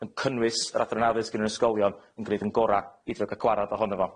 yn cynnwys yr Adran Addysg gyda'n ysgolion yn gneud yn gora' iddo ga'l gwarad ohono fo.